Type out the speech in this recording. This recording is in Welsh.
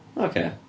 Ocê.